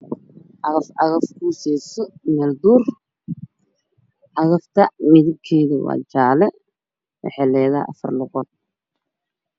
Cagaf cagaf quseso meel duur cagafta midebkeedu waa jaale wexe ledahay Afar lugood